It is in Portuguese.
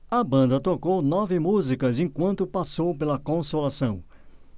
a banda tocou nove músicas enquanto passou pela consolação